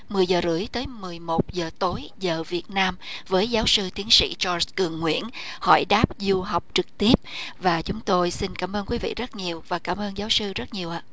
mười giờ rưỡi tới mười một giờ tối giờ việt nam với giáo sư tiến sĩ troi cường nguyễn hỏi đáp du học trực tiếp và chúng tôi xin cảm ơn quý vị rất nhiều và cảm ơn giáo sư rất nhiều ạ